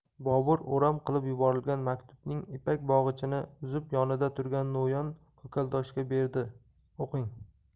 bobur o'ram qilib yuborilgan maktubning ipak bog'ichini uzib yonida turgan no'yon ko'kaldoshga berdi o'qing